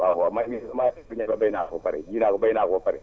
waawaaw man mii li ma am si ñebe béy naa ko ba pare ji naa ko béy naa ko ba pare